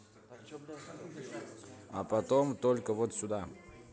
а потом только вот сюда